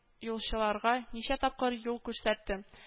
Юлчыларга ничә тапкыр юл күрсәттем: